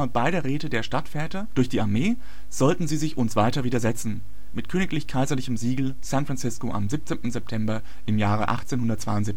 beider Räte der Stadtväter durch die Armee, sollten sie sich uns weiter widersetzen. Mit königlich-kaiserlichem Siegel, San Francisco am 17. September im Jahre 1872. Im